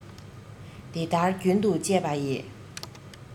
དེ ལྟར རྒྱུན དུ སྤྱད པ ཡིས